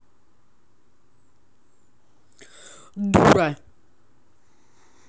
дура